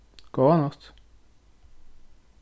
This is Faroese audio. góða nátt